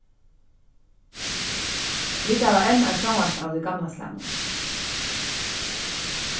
vit hava enn eitt sjónvarp av tí gamla slagnum